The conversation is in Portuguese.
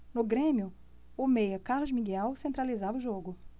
no grêmio o meia carlos miguel centralizava o jogo